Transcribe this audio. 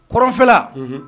Kɔrɔnfɛla